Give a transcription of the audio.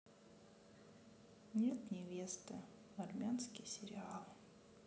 нет невесты армянский сериал